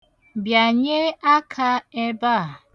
Bịanyee aka ebe a.